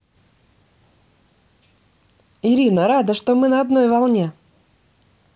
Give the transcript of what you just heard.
ирина рад что мы на одной волне